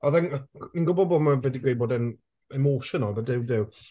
Oedd e'n yy y g-fi'n gwybod bod ma' fe 'di gweud bod e'n emotional but duw duw.